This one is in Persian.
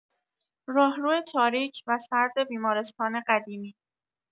راهرو تاریک و سرد بیمارستان قدیمی